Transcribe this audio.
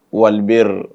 Wali bɛ yɔrɔ